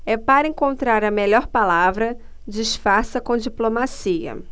é para encontrar a melhor palavra disfarça com diplomacia